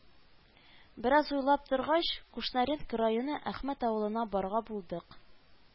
Бераз уйлап торгач Кушнаренко районы Әхмәт авылына барырга булдык